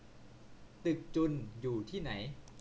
ตึกจุลอยู่ที่ไหน